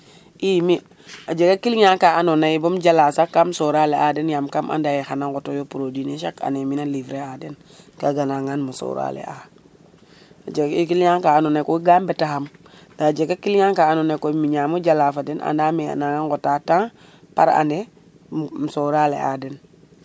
i mi a jega client ka ando naye bom jala sax kam sorale a den yam kam anda ye xana ŋoto yo produit ne chaque année mina livrer aden kaga nangan mo sorale a a jeg client ;fra ka ando naye koy ga mbeta xamnda a jega client ka ando naye koy miñamo jala fo den nda ana ŋota temps par année um sorale a den